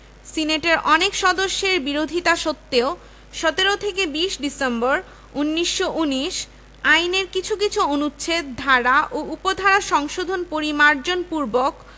ছোট প্রকল্প বাস্তবায়নও কঠিন হয়ে পড়ে এ অবস্থা মুসলিম নেতৃত্বের মধ্যে ভুল বোঝাবুঝির সৃষ্টি করে এবং বিষয়টি নবাব সৈয়দ নওয়াব আলী কর্তৃক ১৯১৭ সালের ৭ মার্চ